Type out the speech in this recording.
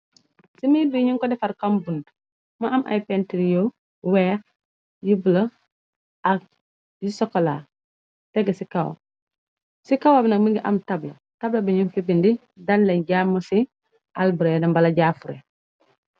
Ci miir bi ñu ko defar kam bunt më am ay pentir yu weex yu bla ak yu sokola teg ci kawam ci kawam nag mingi am tabla tabla biñu fibindi dan len jamm ci albred mbala jaafure